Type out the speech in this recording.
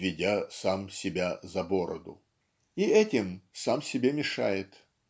"ведя сам себя за бороду") и этим сам себе мешает.